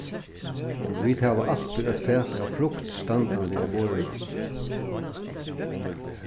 vit hava altíð eitt fat av frukt standandi á borðinum